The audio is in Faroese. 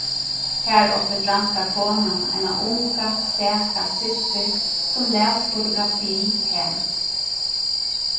har átti franska konan eina unga staka systir sum las fotografi har